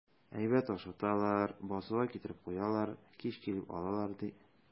Әйбәт ашаталар, басуга китереп куялар, кич килеп алалар, ди.